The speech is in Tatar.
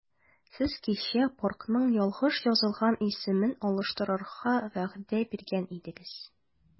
Сез кичә паркның ялгыш язылган исемен алыштырырга вәгъдә биргән идегез.